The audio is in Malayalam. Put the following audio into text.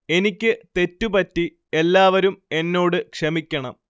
എനിക്ക് തെറ്റു പറ്റി എല്ലാവരും എന്നോട് ക്ഷമിക്കണം